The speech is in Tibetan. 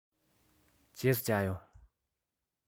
རྗེས སུ མཇལ ཡོང